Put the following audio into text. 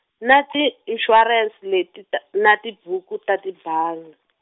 na tinxuwarense leti t-, na tibuku ta ti banga.